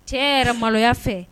Cɛ yɛrɛ maloya fɛ